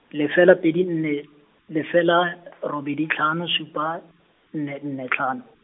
lefela pedi nne, lefela, robedi tlhano supa, nne nne tlhano.